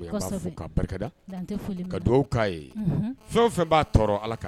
Fɛn b'a ala